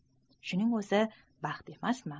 shuning o'zi baxt emasmi